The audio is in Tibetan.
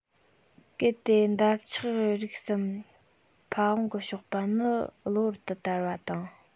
གལ ཏེ འདབ ཆགས རིགས སམ ཕ ཝང གི གཤོག པ ནི གློག བུར དུ དར བ དང